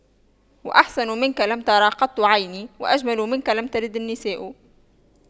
وأحسن منك لم تر قط عيني وأجمل منك لم تلد النساء